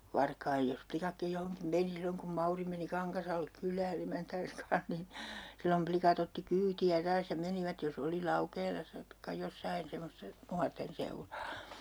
varkain jos likatkin johonkin meni silloin kun Mauri meni Kangasalle kylään emäntänsä kanssa niin silloin likat otti kyytiä taas ja menivät jos oli Laukeelassa tai jossakin semmoista nuorten seuraa